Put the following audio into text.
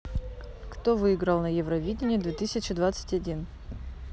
кто выиграл на евровидение две тысячи двадцать один